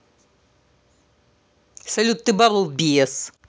салют ты балбес